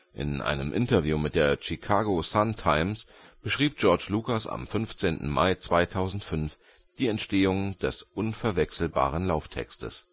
In einem Interview mit der Chicago Sun-Times beschrieb George Lucas am 15. Mai 2005 die Entstehung des unverwechselbaren Lauftextes